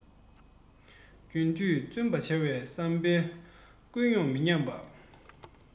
རྒྱུན མཐུད བརྩོན པ བྱ བའི བསམ པའི ཀུན སློང མི ཉམས པ